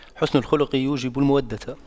حُسْنُ الخلق يوجب المودة